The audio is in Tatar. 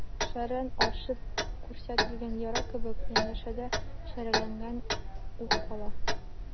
Шәрран ачып күрсәтелгән яра кебек, янәшәдә шәрәләнгән ур кала.